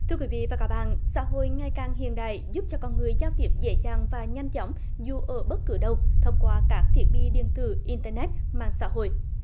thưa quý vị và các mạng xã hội ngày càng hiện đại giúp cho con người giao tiếp dễ dàng và nhanh chóng dù ở bất cứ đâu thông qua các thiết bị điện tử internet mạng xã hội